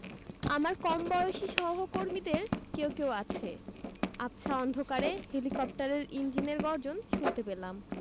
আমার কমবয়সী সহকর্মীদের কেউ কেউ আছে আবছা অন্ধকারে হেলিকপ্টারের ইঞ্জিনের গর্জন শুনতে পেলাম